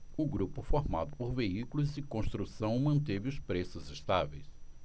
o grupo formado por veículos e construção manteve os preços estáveis